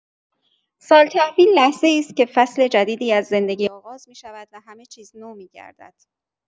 سال‌تحویل لحظه‌ای است که فصل جدیدی از زندگی آغاز می‌شود و همه‌چیز نو می‌گردد.